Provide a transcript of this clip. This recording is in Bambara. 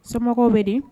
Somɔgɔw bɛ di?